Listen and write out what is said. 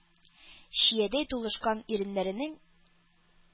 Чиядәй тулышкан иреннәренең,